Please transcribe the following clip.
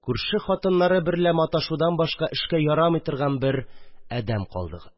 Күрше хатыннары берлә маташудан башка эшкә ярамый торган бер адәм калдыгы